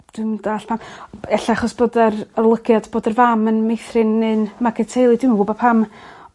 Dwi'm yn dallt pam. Ella bod y'r olygiad bod y fam yn meithrin neu'n magu teulu dwi'm yn gwbod pam.